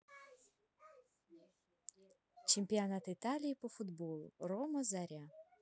чемпионат италии по футболу рома заря